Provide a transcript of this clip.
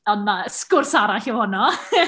Ond, na, sgwrs arall yw honno!